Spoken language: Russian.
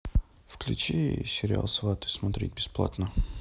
включи сериал сваты смотреть бесплатно